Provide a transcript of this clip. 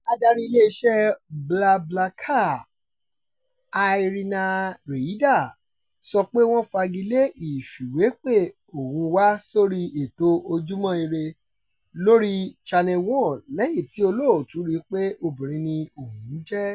Adarí iléeṣẹ́ BlaBlaCar, Irina Reyder sọ pé wọ́n fagi lé ìfìwépè òun wá sórí ètò Ojúmọ́ Ire lórí Channel One lẹ́yìn tí olóòtú rí i pé obìnrin ni òún jẹ́.